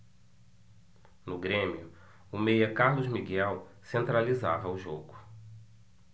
no grêmio o meia carlos miguel centralizava o jogo